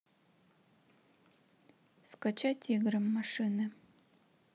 скачать игры машины